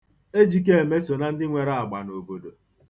Ejikeme so na ndị nwere agba n'obodo.